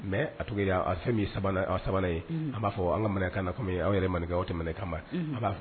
Mais a fɛn min yan sabanan ye an ba fɔ an ka manigakan na kɔmi aw yɛrɛ man kɛ aw tɛ kamaba